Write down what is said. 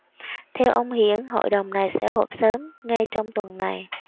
theo ông hiển hội đồng này sẽ họp sớm ngay trong tuần này